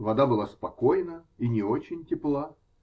Вода была спокойна и не очень тепла.